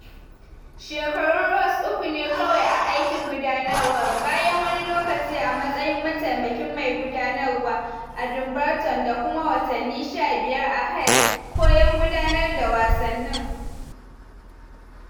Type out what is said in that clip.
Shekarun Ross uku ne kawai a aikin gudanarwa, bayan wani lokaci a matsayin mataimakin mai gudanarwa a Dumbarton da kuma watanni 15 a Hearts 'koyon gudanar da wasanni.